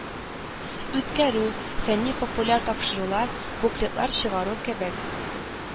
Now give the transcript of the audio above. Үткәрү, фәнни-популяр тапшырулар, буклетлар чыгару кебек